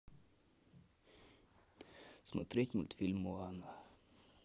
смотреть мультфильм моана